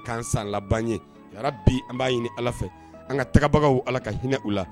An ka tagabaga ala ka hinɛinɛ u la